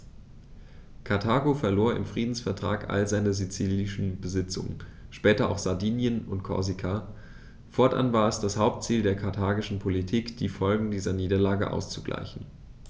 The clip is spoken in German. Karthago verlor im Friedensvertrag alle seine sizilischen Besitzungen (später auch Sardinien und Korsika); fortan war es das Hauptziel der karthagischen Politik, die Folgen dieser Niederlage auszugleichen.